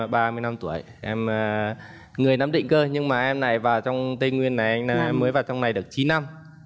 ba mươi năm tuổi em người nam định cơ nhưng mà em này vào trong tây nguyên này mới và trong này được chín năm